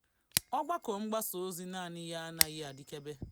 Ọgbakọ mgbasa ozi naanị ya anaghị adịkebe.